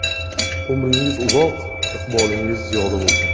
umringiz uzoq iqbolingiz ziyoda bo'lsin